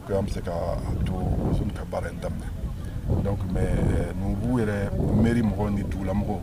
Ko bɛ se ka to mu ka baara in daminɛ n b'u yɛrɛ miiri mɔgɔ ni dugulamɔgɔ